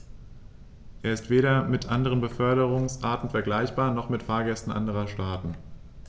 Er ist weder mit anderen Beförderungsarten vergleichbar, noch mit Fahrgästen anderer Staaten.